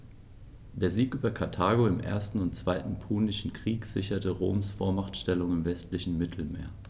Der Sieg über Karthago im 1. und 2. Punischen Krieg sicherte Roms Vormachtstellung im westlichen Mittelmeer.